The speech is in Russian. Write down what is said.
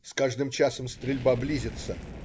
С каждым часом стрельба близится.